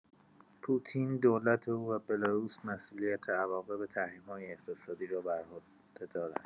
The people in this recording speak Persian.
پوتین، دولت او و بلاروس مسئولیت عواقب تحریم‌های اقتصادی را بر عهده دارند.